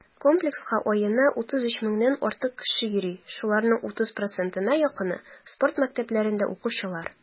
Комплекска аена 33 меңнән артык кеше йөри, шуларның 30 %-на якыны - спорт мәктәпләрендә укучылар.